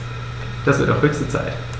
Das wird auch höchste Zeit!